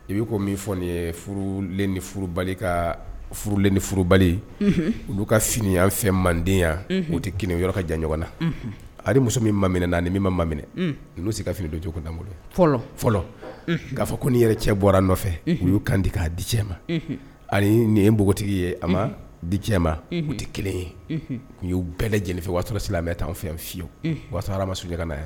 I b bɛi ko min fɔ n yelen ni kalen ni furu bali olu ka finiyan fɛ mande yan u tɛ kelen yɔrɔ ka jan ɲɔgɔn na ani muso min ma min na ni min ma maminɛ n'u se ka fini donjɔ da bolo fɔlɔ k'a fɔ ko' yɛrɛ cɛ bɔra nɔfɛ u y'u kan di k'a dicɛ ma ani nin ye npogotigi ye a ma di diɲɛ ma tɛ kelen ye y'u bɛɛ lajɛlen fɛ'a sɔrɔ silamɛ bɛ taa fɛn yan fiyewu walasa ma sunjata n'a ye